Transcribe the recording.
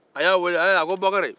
a y'a weele a y'a ye a ko bokari